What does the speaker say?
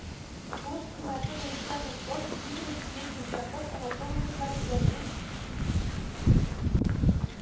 Куыш стенасы буенча Нырков, Дмитрий Весельчаков, Антоновлар үзләренең